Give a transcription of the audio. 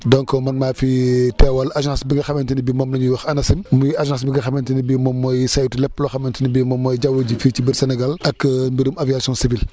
donc man maa fi teewal agence bi nga xamante ni bii moom la ñuy wax ANACIM muy agence bi nga xamante ne bii moom mooy saytu lépp loo xamante ni bii moom mooy jaww ji fii ci biir Sénégal ak mbirum aviation civile